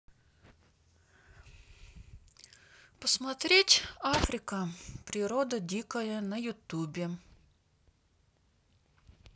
посмотреть африка природа дикая на ютубе